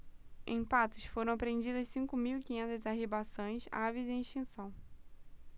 em patos foram apreendidas cinco mil e quinhentas arribaçãs aves em extinção